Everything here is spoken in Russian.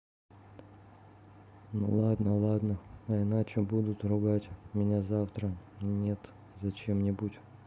ну ладно ладно а иначе будет ругать меня завтра нет за чем нибудь